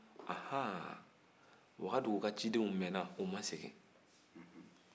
ahan wagadu ka cidenw mɛnna u ma segin